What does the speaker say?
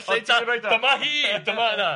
Ond ta- dyma hi dyma yna.